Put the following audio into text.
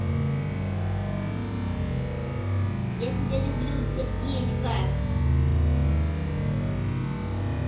я тебя люблю сердечко